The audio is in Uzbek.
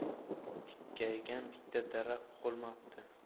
tikkaygan bitta daraxt qolmabdi